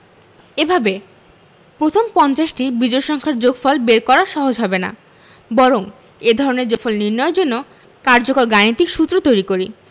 এভাবে প্রথম পঞ্চাশটি বিজোড় সংখ্যার যোগফল বের করা সহজ হবে না বরং এ ধরনের যোগফল নির্ণয়ের জন্য কার্যকর গাণিতিক সূত্র তৈরি করি